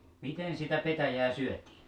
miten sitä petäjää syötiin